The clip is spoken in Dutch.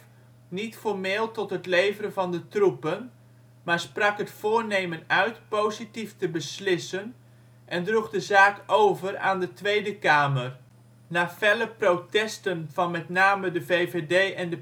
formeel tot het leveren van troepen, maar sprak het voornemen uit positief te beslissen en droeg de zaak over aan de Tweede Kamer. Na felle protesten van met name de VVD en de